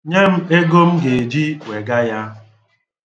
Nye m ego m ga-eji wega ya.